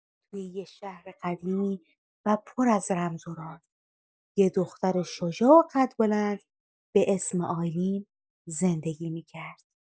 توی یه شهر قدیمی و پر از رمز و راز، یه دختر شجاع و قدبلند به اسم آیلین زندگی می‌کرد.